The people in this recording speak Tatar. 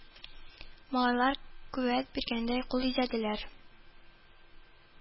Малайлар, куәт биргәндәй, кул изәделәр